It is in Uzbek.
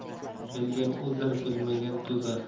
bilgan o'zar bilmagan to'zar